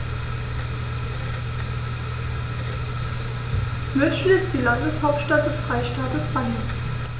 München ist die Landeshauptstadt des Freistaates Bayern.